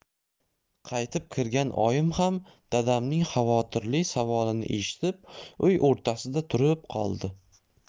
qaytib kirgan oyim ham dadamning xavotirli savolini eshitib uy o'rtasida turib qoldi